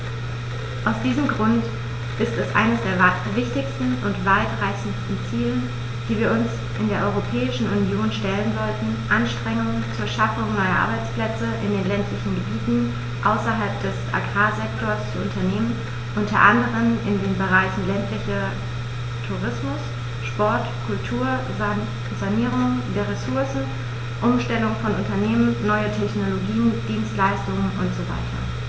Aus diesem Grund ist es eines der wichtigsten und weitreichendsten Ziele, die wir uns in der Europäischen Union stellen sollten, Anstrengungen zur Schaffung neuer Arbeitsplätze in den ländlichen Gebieten außerhalb des Agrarsektors zu unternehmen, unter anderem in den Bereichen ländlicher Tourismus, Sport, Kultur, Sanierung der Ressourcen, Umstellung von Unternehmen, neue Technologien, Dienstleistungen usw.